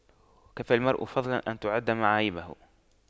كفى المرء فضلا أن تُعَدَّ معايبه